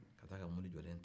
ka taa a ka mobili jɔlen ta